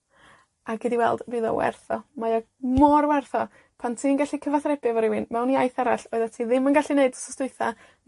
A gei di weld fydd o werth o. Mae o mor werth o, pan ti'n gallu cyfathrebu efo rywun mewn iaith arall oeddet ti ddim yn gallu neud wthos dwytha,